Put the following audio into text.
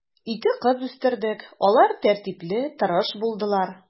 Ике кыз үстердек, алар тәртипле, тырыш булдылар.